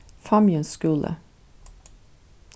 fámjins skúli